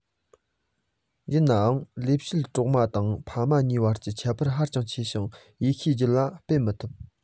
ཡིན ནའང ལས བྱེད གྲོག མ དང ཕ མ གཉིས བར གྱི ཁྱད པར ཧ ཅང ཆེ ཞིང ཡེ ནས རྒྱུད པ སྤེལ མི ཐུབ